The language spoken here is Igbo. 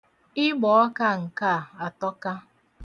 Ịgbọọka nke a atọka.